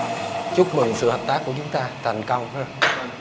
chúc mừng sự hợp tác của chúng ta thành công ha